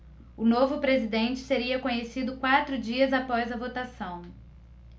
o novo presidente seria conhecido quatro dias após a votação